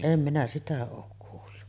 en minä sitä ole kuullut